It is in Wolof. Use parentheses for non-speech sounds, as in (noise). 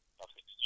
(hesitation) (hesitation)